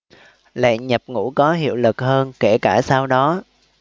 lệnh nhập ngũ có hiệu lực hơn kể cả sau đó